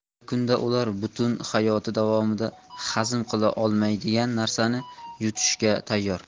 bir kunda ular butun hayoti davomida hazm qila olmaydigan narsani yutishga tayyor